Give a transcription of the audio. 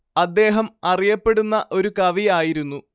അദ്ദേഹം അറിയപ്പെടുന്ന ഒരു കവി ആയിരുന്നു